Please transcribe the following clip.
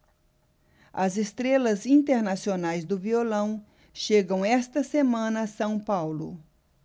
as estrelas internacionais do violão chegam esta semana a são paulo